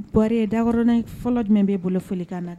Ɔr dakɔrɔnin fɔlɔ jumɛn bɛ bolo fɔkan na